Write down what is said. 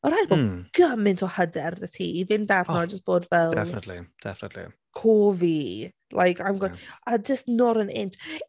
Mae'n rhaid bod... mm ...gymaint o hyder 'da ti i fynd arno a jyst bod fel... definitely definitely... "Co fi" like I'm gon- a just not an inch.